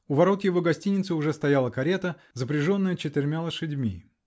У ворот его гостиницы уже стояла карета, запряженная четырьмя лошадьми.